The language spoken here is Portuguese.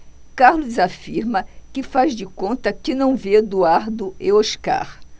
carlos afirma que faz de conta que não vê eduardo e oscar